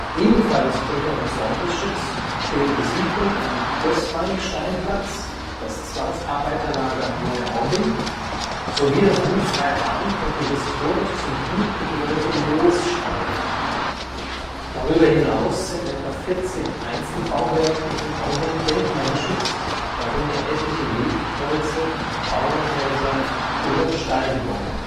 Ebenfalls unter Ensembleschutz stehen die Siedlung am Gößweinsteinplatz, das Zwangsarbeiterlager Neuaubing, sowie das Gut Freiham und die historisch zum Gut gehörige Moosschwaige. Darüber hinaus sind etwa 40 Einzelbauwerke in Aubing denkmalgeschützt, darunter etliche Wegkreuze, Bauernhäuser oder Stallgebäude